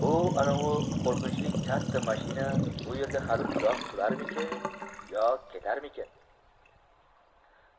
anovi qo'rqinchli katta mashina bu yerda hali uzoq turarmikin yo ketarmikin